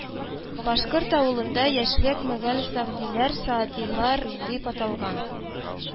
Башкорт авылында яшьлек мөгалсәгъдиләр, саадилар” дип аталган